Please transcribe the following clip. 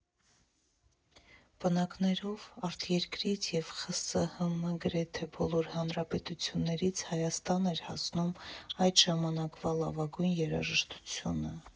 Պնակներով արտերկրից և ԽՍՀՄ գրեթե բոլոր հանրապետություններից Հայաստան էր հասնում այդ ժամանակվա լավագույն երաժշտությունը։